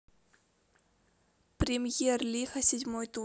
премьер лига седьмой тур